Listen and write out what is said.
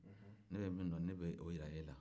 ne bɛ minnu dɔn ne b'o jira e la